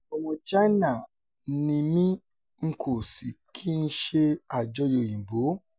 2. Ọmọ China ni mí n kò sì kí ń ṣe àjọyọ̀ Òyìnbó.